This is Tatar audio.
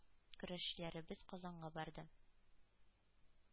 Көрәшчеләребез Казанга барды